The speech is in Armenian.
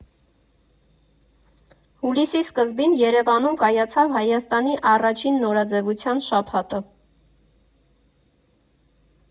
Հուլիսի սկզբին Երևանում կայացավ Հայաստանի առաջին նորաձևության շաբաթը։